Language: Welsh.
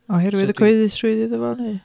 Oherwydd... so dwi ...y cyhoeddusrwydd iddo fo neu?